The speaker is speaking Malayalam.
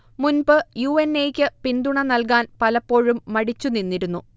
മുൻപ് യു. എൻ. എ. യ്ക്ക് പിന്തുണ നൽകാൻ പലപ്പോഴും മടിച്ച് നിന്നിരുന്നു